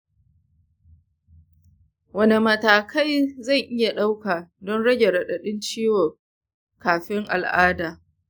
wane matakai zan iya ɗauka don rage raɗadin ciwon kafin al'ada ?